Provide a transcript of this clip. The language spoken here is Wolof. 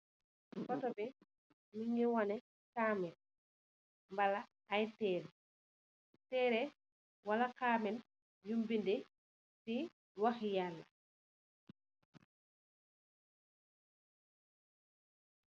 Otto bi, mungi wane kaamil, Wala, ay Tëré, Wala kaamil, yuñg binda si wox i Yaala.